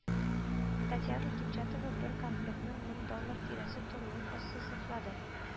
Татьяна Кипчатова бер комплектның мең доллар тирәсе торуын ассызыклады